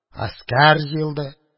Гаскәр җыелды.